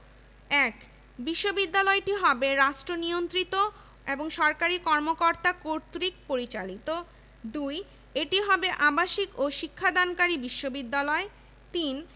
এবং অতিসত্বর বিশ্ববিদ্যালয়টি প্রতিষ্ঠার জন্য মত দেয় স্যাডলার কমিশনের উল্লেখযোগ্য সুপারিশ: ১.ঢাকা বিশ্ববিদ্যালয়ের অধিভুক্তিকরণ ক্ষমতা থাকবে না